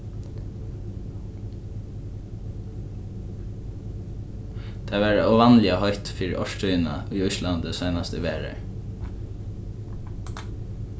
tað var óvanliga heitt fyri árstíðina í íslandi seinast eg var har